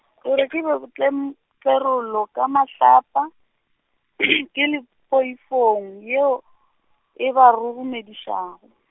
gore ke be bo tlem-, terollo- ka mahlapa , ke le poifong yeo, e ba roromedišago-.